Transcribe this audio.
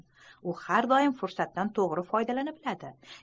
u har doim fursatdan to'g'ri foydalana biladi